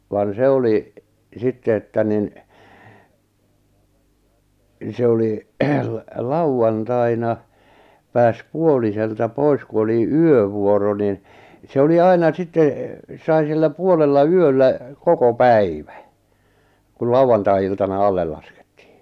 vaan se oli sitten että niin se oli - lauantaina pääsi puoliselta pois kun oli yövuoro niin se oli aina sitten sai sillä puolella yöllä koko päivän kun lauantai-iltana alle laskettiin